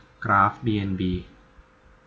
กราฟบีเอ็นบี